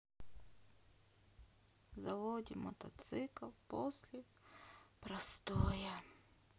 заводим мотоцикл после простоя